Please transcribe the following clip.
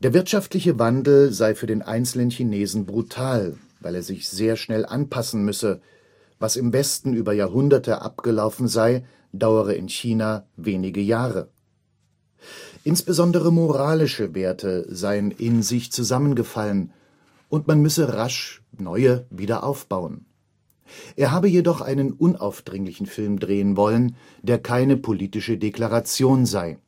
wirtschaftliche Wandel sei für den einzelnen Chinesen brutal, weil er sich sehr schnell anpassen müsse; was im Westen über Jahrhunderte abgelaufen sei, dauere in China wenige Jahre. Insbesondere moralische Werte seien in sich zusammengefallen, und man müsse rasch neue wieder aufbauen. Er habe jedoch einen unaufdringlichen Film drehen wollen, der keine politische Deklaration sei